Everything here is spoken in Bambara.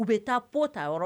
U be taa pot ta yɔrɔ